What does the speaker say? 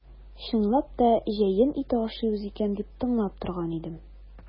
Чынлап та җәен ите ашыйбыз икән дип тыңлап торган идем.